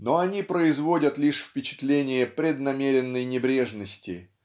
но они производят лишь впечатление преднамеренной небрежности